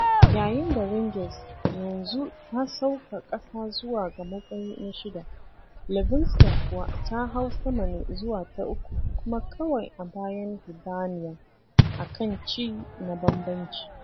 Yayin da Rangers yanzu ta sauka ƙasa zuwa ga matsayi na shida, Livingston kuwa ta hau sama ne zuwa ta uku kuma kawai a bayan Hibernian a kan ci na bambanci.